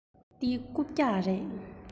འདི རྐུབ བཀྱག རེད